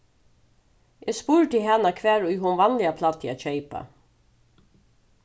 eg spurdi hana hvar ið hon vanliga plagdi at keypa